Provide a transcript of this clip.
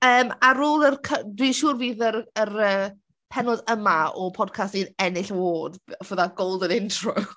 Yym ar ôl yr c... dwi'n siwr bydd yr yr yy pennod yma o podcast ni'n ennill award. For that golden intro!